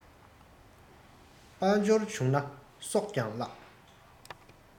དཔལ འབྱོར བྱུང ན སྲོག ཀྱང བརླག